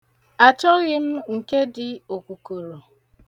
Achọghị m nke dị okukoro.